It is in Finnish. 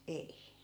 ei